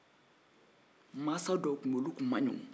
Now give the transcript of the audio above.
mansa dɔw kunkolo tun man ɲi